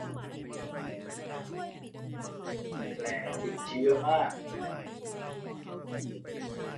แผลติดเชื้อมาก